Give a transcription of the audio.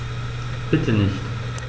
Bitte nicht.